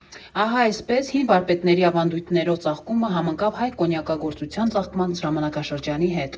Ահա այսպես, հին վարպետների ավանդույթներով ծաղկումը համընկավ հայ կոնյակագործության ծաղկման ժամանակաշրջանի հետ։